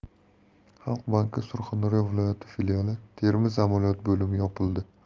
xalq banki surxondaryo viloyati filiali termiz amaliyot bo'limi yopildi